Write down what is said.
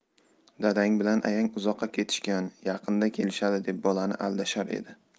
dadang bilan ayang uzoqqa ketishgan yaqinda kelishadi deb bolani aldashar edi